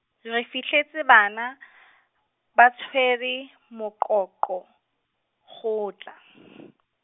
re fihletse banna , ba tshwere, moqoqo, kgotla .